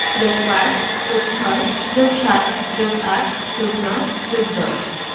+৫+৬+৭+৮+৯+১০